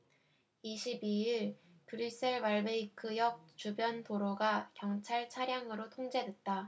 이십 이 일 브뤼셀 말베이크역 주변 도로가 경찰 차량으로 통제됐다